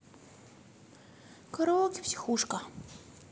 караоке психушка